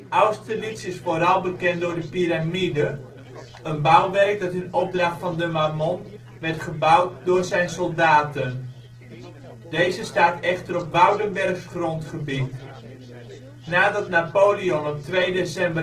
Austerlitz is vooral bekend door de piramide, een bouwwerk dat in opdracht van De Marmont werd gebouwd door zijn soldaten. Deze staat echter op Woudenbergs grondgebied. Nadat Napoleon op 2 december 1805 de zgn.